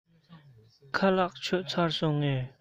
ཞལ ལག ཁ ལག མཆོད བཞེས ཚར སོང ངས